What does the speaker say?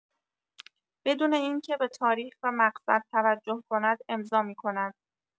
بدون اینکه به‌تاریخ و مقصد توجه کند امضا می‌کند.